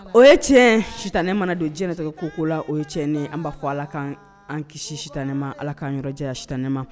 O ye tiɲɛ sitanɛ ne mana don diɲɛlatigɛ ko o ko la o ye tiɲɛnen ye, an b'a fɔ Ala kan an kisi sitanɛ ma Ala k' an yɔrɔjayan sitanɛ ma.